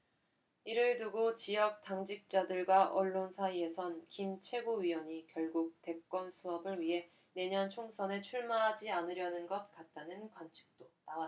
이를 두고 지역 당직자들과 언론 사이에선 김 최고위원이 결국 대권 수업을 위해 내년 총선에 출마하지 않으려는 것 같다는 관측도 나왔다